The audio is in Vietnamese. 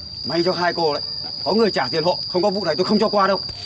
may cho hai cô đấy có người trả tiền hộ không có vụ này tôi không cho qua đâu